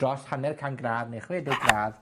dros hanner can gradd ne' chwedeg gradd,